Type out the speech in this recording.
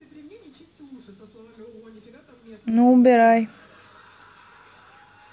ну убирай